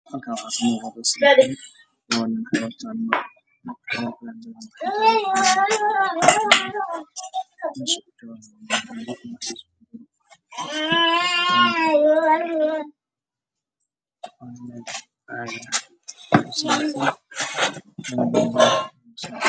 Waa sadex wiil oo matagaayi weel buluug